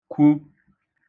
-kwu